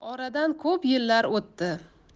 oradan ko'p yillar o'tdi